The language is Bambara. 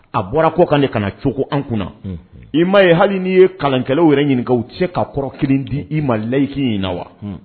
A bɔra kɔ kan de kana cooko an kunna, unhun, i m'a ye hali n'i ye kalankɛlaw yɛrɛ ɲininka u tɛ se ka kɔrɔ kelen di i ma laïcité in na wa, unhun,